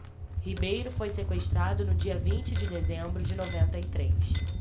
ribeiro foi sequestrado no dia vinte de dezembro de noventa e três